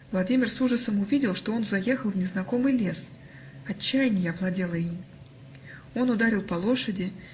Владимир с ужасом увидел, что он заехал в незнакомый лес. Отчаяние овладело им. Он ударил по лошади